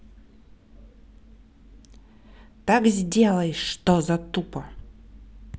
так сделай что за тупо